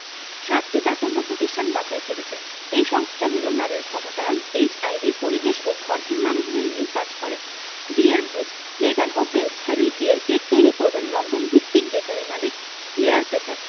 সাতটি দাতব্য প্রতিষ্ঠান বাছাই করেছেন এই সংস্থাগুলো নারীর ক্ষমতায়ন এইচআইভি পরিবেশ ও ঘরহীন মানুষদের নিয়ে কাজ করে বিয়ের ভোজ মেগান ও প্রিন্স হ্যারির বিয়ের কেক তৈরি করবেন লন্ডনভিত্তিক বেকারি মালিক ক্লেয়ার পেতাক